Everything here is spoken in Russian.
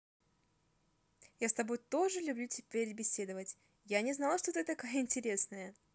я с тобой тоже люблю теперь беседовать я не знала что ты такая интересная